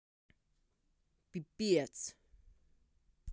пипец